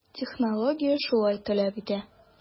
Технология шулай таләп итә.